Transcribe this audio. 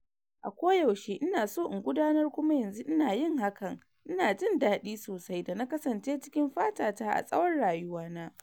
A koyaushe ina so in gudanar kuma yanzu ina yin hakan, ina jin dadi sosai da na kasance cikin fatata a tsawon rayuwana."